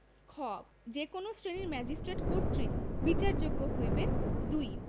খ যে কোন শ্রেণীর ম্যাজিস্ট্রেট কর্তৃক বিচারযোগ্য হইবে ২